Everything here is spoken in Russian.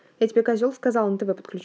я тебе козел сказал нтв подключить